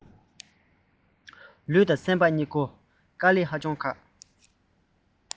ལུས སེམས གཉིས ཀ ངལ བའི གདུང བས མནར